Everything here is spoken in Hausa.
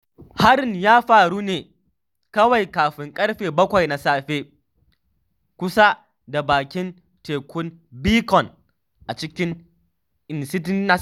Harin ya faru ne kawai kafin ƙarfe 7 na safe kusa da Bakin Tekun Beacon a cikin Encinitas.